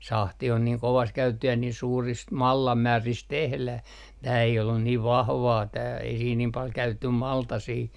sahti on niin kovaa se käytettiin ja niin suurista mallasmääristä tehdään tämä ei ollut niin vahvaa tämä ei siinä niin paljon käytetty maltasia